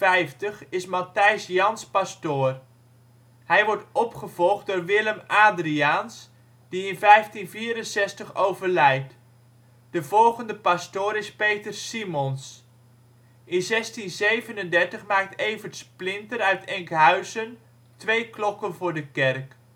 1550 is Mathijs Jansz pastoor, hij wordt opgevolgd door Willem Adriaensz, die in 1564 overlijdt. De volgende pastoor is Peter Simonsz. In 1637 maakt Evert Splinter uit Enkhuizen twee klokken voor de kerk